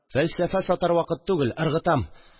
Фәлсәфә сатар вакыт түгел, ыргытам